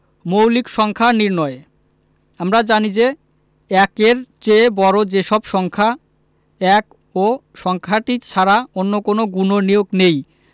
মৌলিক সংখ্যা নির্ণয় আমরা জানি যে ১-এর চেয়ে বড় যে সব সংখ্যা ১ ও সংখ্যাটি ছাড়া অন্য কোনো গুণনীয়ক নেই